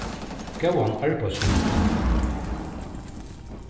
góðan arbeiðshug